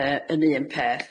Yy yn un peth.